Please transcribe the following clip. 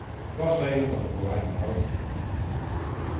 tá segði hon at hon fór heim til havnar